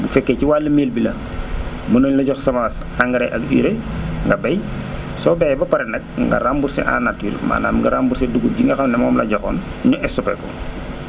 bu fekkee ci wàllu mil bi la mën nañ la jox semence engrais ak urée nga bay soo bayee ba pare nag nga remboursé en nature maanaam nga remboursé dugub ji nga xam ne moom la ñu la joxoon ñu stopé ko